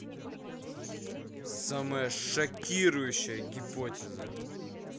самая шокирующая гипотеза